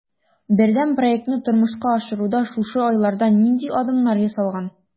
Бердәм проектны тормышка ашыруда шушы айларда нинди адымнар ясалган?